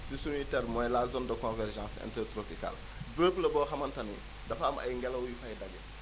si suñuy termes mooy la zone de convergence intertropicale béréb la boo xamante ni dafa am ay ngelaw yu fay daje